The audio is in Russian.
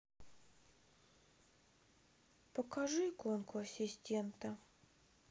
покажи иконку ассистента